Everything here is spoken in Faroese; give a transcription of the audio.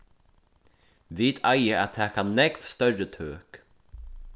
vit eiga at taka nógv størri tøk